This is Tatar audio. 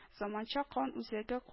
“заманча кан үзәге